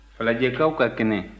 falajɛkaw ka kɛnɛ